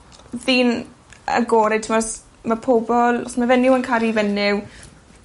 fi'n agored t'mo' 's ma' pobol os ma' fenyw yn caru fenyw